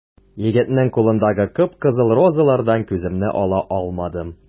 Егетнең кулындагы кып-кызыл розалардан күземне ала алмадым.